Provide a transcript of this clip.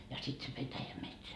ja sitten se petäjämetsä